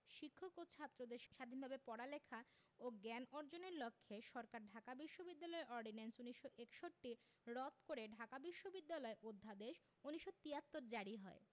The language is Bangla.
শিক্ষক ও ছাত্রদের স্বাধীনভাবে পড়ালেখা ও জ্ঞান অর্জনের লক্ষ্যে সরকার ঢাকা বিশ্ববিদ্যালয় অর্ডিন্যান্স ১৯৬১ রদ করে ঢাকা বিশ্ববিদ্যালয় অধ্যাদেশ ১৯৭৩ জারি হয়